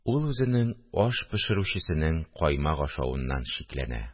Ул үз аш пешерүчесенең каймак ашавыннан шикләнә